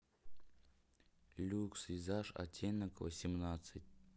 люкс визаж оттенок восемнадцать